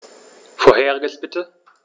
Vorheriges bitte.